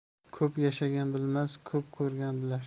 ko'p yashagan bilmas ko'p ko'rgan bilar